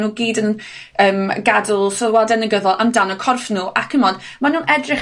nw gyd yn yym gadel sylwade negyddol amdano corff nw, a c'mon ma' nw'n edrych